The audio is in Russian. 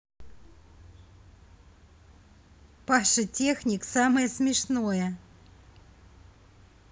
паша техник самое смешное